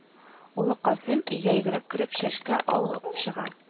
Улы Касыйм, өйгә йөгереп кереп, чәшке алып чыга